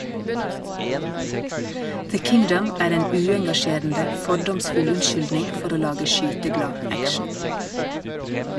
"The Kingdom" er en uengasjerende, fordomsfull unnskyldning for å lage skyteglad action.